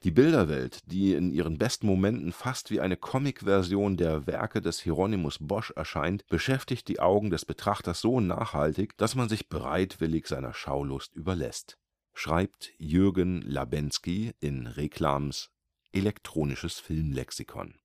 Bilderwelt, die in ihren besten Momenten fast wie eine Comic-Version der Werke des Hieronymus Bosch erscheint, beschäftigt die Augen des Betrachters so nachhaltig, dass man sich bereitwillig seiner Schaulust überlässt. “– Jürgen Labenski: Reclams elektronisches Filmlexikon